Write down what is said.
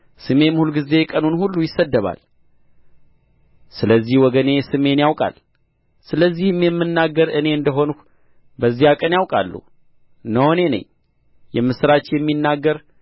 ስሜም ሁልጊዜ ቀኑን ሁሉ ይሰደባል ስለዚህ ወገኔ ስሜን ያውቃል ስለዚህም የምናገር እኔ እንደ ሆንሁ በዚያ ቀን ያውቃሉ እነሆ እኔ ነኝ የምስራች የሚናገር